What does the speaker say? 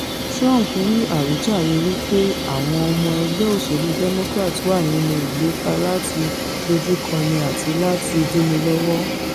Trump wí àwíjàre wí pé àwọn ọmọ ẹgbẹ́ òṣèlú Democrat wà nínú ìlépa láti ''dojúkọ̀ni àti láti dínilọ́wọ̀.''